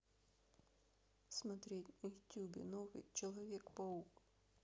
смотреть на ютубе новый человек паук